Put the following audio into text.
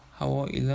havo iliq